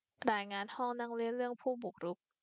รายงานห้องนั่งเล่นเรื่องผู้บุกรุก